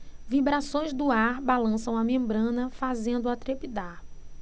vibrações do ar balançam a membrana fazendo-a trepidar